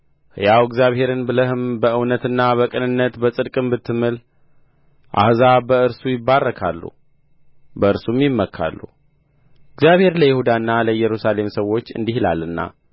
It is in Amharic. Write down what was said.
ሕያው እግዚአብሔርን ብለህም በእውነትና በቅንነት በጽድቅም ብትምል አሕዛብ በእርሱ ይባረካሉ በእርሱም ይመካሉ እግዚአብሔር ለይሁዳና ለኢየሩሳሌም ሰዎች እንዲህ ይላልና